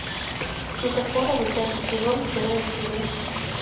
светофоровы пятый сезон первая серия